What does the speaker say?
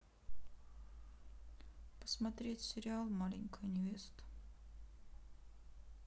посмотреть сериал маленькая невеста